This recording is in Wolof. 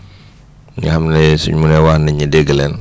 ñoo xam ne suñ munee wax nit ñi dégg leen